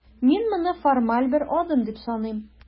Мин моны формаль бер адым дип саныйм.